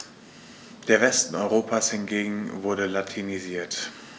Der Westen Europas hingegen wurde latinisiert.